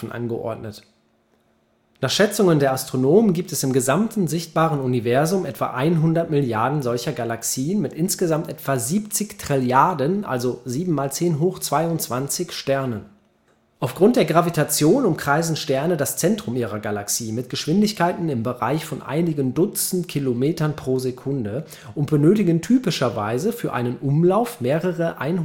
angeordnet. Nach Schätzungen der Astronomen gibt es im gesamten sichtbaren Universum etwa 100 Milliarden solcher Galaxien mit insgesamt etwa 70 Trilliarden (7 × 1022) Sternen. Aufgrund der Gravitation umkreisen Sterne das Zentrum ihrer Galaxie mit Geschwindigkeiten im Bereich von einigen Dutzend km/s und benötigen typischerweise für einen Umlauf mehrere 100.000